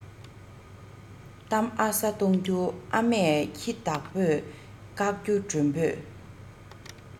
གཏམ ཨ ས གཏོང རྒྱུ ཨ མས ཁྱི བདག པོས བཀག རྒྱུ མགྲོན པོས